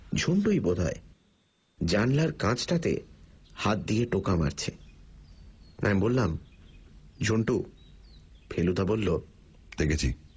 ঝুন্টুই বোধহয় জানালার কাচটাতে হাত দিয়ে টোকা মারছে আমি বললাম ঝুন্টু ফেলুদা বলল দেখেছি